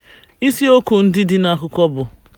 Isiokwu ndị dị n'akụkọ bụ: